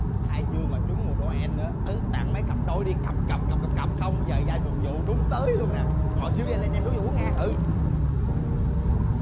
khai trương mà trúng mùa nô en tặng mấy cặp đôi đi cộc cộc cộc cộc cộc không giờ ra phục vụ đúng tới luôn nè ngồi xíu đi em lấy nước gì uống